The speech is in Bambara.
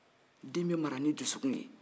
den bɛ mara ni dusukun de ye